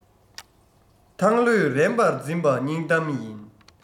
ཐང ལྷོད རན པར འཛིན པ སྙིང གཏམ ཡིན